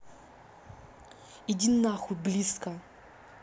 иди нахуй близко